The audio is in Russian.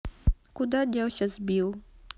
куда делся сбил